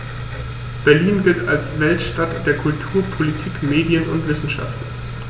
Berlin gilt als Weltstadt der Kultur, Politik, Medien und Wissenschaften.